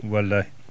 wallahi